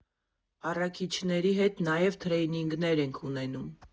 Առաքիչների հետ նաև թրեյնինգներ ենք ունենում։